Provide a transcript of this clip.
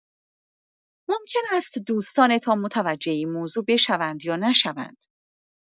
ممکن است دوستانتان متوجه این موضوع بشوند یا نشوند.